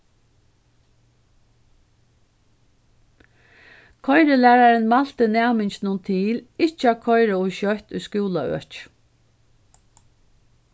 koyrilærarin mælti næminginum til ikki at koyra ov skjótt í skúlaøki